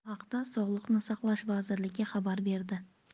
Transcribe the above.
bu haqda sog'liqni saqlash vazirligi xabar berdi